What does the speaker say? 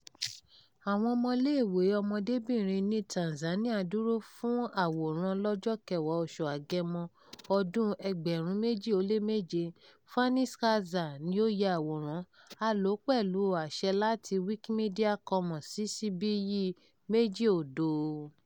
Àwọn Ọmọiléèwé ọmọdébìnrin ní Tanzania dúró fún àwòrán lọ́jọ́ 10 oṣù Agẹmọ ọdún-un, 2007. Fanny Schertzer ni ó ya àwòrán, a lò ó pẹ̀lú àṣẹ láti Wikimedia Commons, CC BY 2.0.